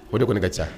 O de kɔni ne ka caa.